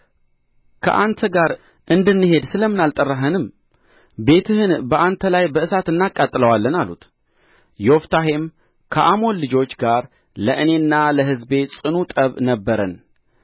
ከአንተ ጋር እንድንሄድ ስለ ምን አልጠራኸንም ቤትህን በአንተ ላይ በእሳት እናቃጥለዋለን አሉት ዮፍታሔም ከአሞን ልጆች ጋር ለእኔና ለሕዝቤ ጽኑ ጠብ ነበረን